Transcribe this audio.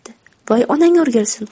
voy onang o'rgilsin